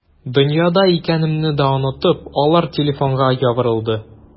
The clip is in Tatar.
Дөньяда икәнемне дә онытып, алар телефонга ябырылды.